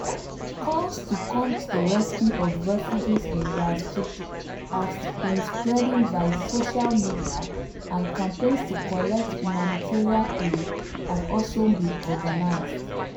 Calls to come to the rescue of refugees in Ras Jdir have been spreading via social media, and campaigns to collect humanitarian aid have also been organised.